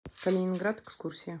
калининград экскурсия